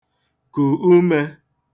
kù umē